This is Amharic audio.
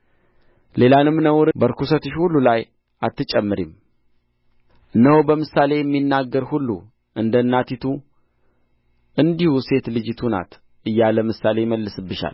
ሌላንም ነውር በርኵሰትሽ ሁሉ ላይ አትጨምሪም እነሆ በምሳሌ የሚናገር ሁሉ እንደ እናቲቱ እንዲሁ ሴት ልጂቱ ናት እያለ ምሳሌ ይመስልብሻል